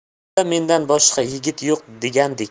ovulda mendan boshqa yigit yo'q degandek